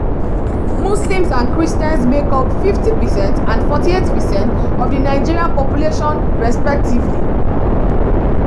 Muslims and Christians make up 50 percent and 48 percent of the Nigerian population respectively.